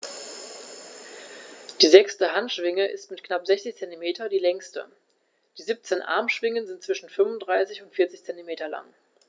Die sechste Handschwinge ist mit knapp 60 cm die längste. Die 17 Armschwingen sind zwischen 35 und 40 cm lang.